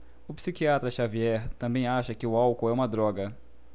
o psiquiatra dartiu xavier também acha que o álcool é uma droga